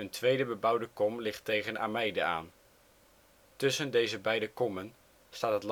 tweede bebouwde kom ligt tegen Ameide aan. Tussen deze beide kommen staat